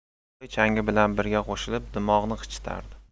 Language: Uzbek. bug'doy changi bilan birga qo'shilib dimog'ni qichitardi